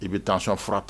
I bɛ taaura tan